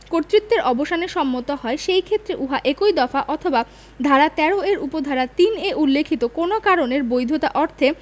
কর্তৃত্বের অবসানে সম্মত হয় সেইক্ষেত্রে উহা এই দফা অথবা ধারা ১৩ এর উপ ধারা ৩ এ উল্লেখিত কোন কারণের বৈধতা অর্থে